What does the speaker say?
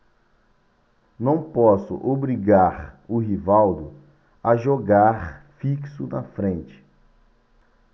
não posso obrigar o rivaldo a jogar fixo na frente